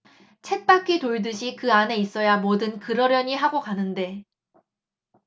쳇바퀴 돌 듯이 그 안에 있어야 뭐든 그러려니 하고 가는데